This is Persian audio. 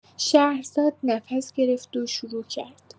شهرزاد نفس گرفت و شروع کرد.